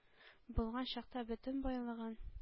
Булган чакта бөтен байлыгың.